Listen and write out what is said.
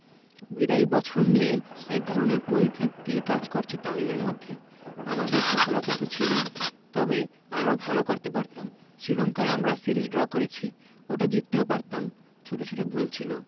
বিদায়ী বছর নিয়ে একধরনের পরিতৃপ্তি কাজ করছে তামিমের মধ্যে আমাদের সফলতা তো ছিলই তবে আরও ভালো করতে পারতাম শ্রীলঙ্কায় আমরা সিরিজ ড্র করেছি ওটা জিততেও পারতাম ছোট ছোট ভুল ছিল